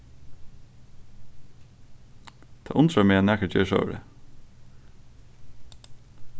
tað undrar meg at nakar ger sovorðið